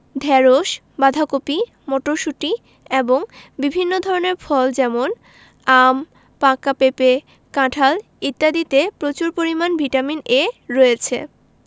ঢেঁড়স বাঁধাকপি মটরশুঁটি এবং বিভিন্ন ধরনের ফল যেমন আম পাকা পেঁপে কাঁঠাল ইত্যাদিতে প্রচুর পরিমানে ভিটামিন এ রয়েছে